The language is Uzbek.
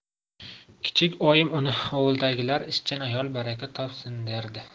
kichik oyim uni ovuldagilar ishchan ayol baraka topsin derdi